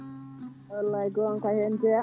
wallay gonga kay ko hen jeeya